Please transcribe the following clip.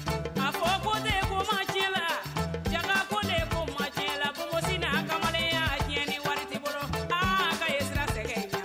A ko ko ne ko ma ci la ja ko ne ko ma ci la kosi na a kamalen y a diɲɛ ni wariti bolo a ka i sira sɛgɛn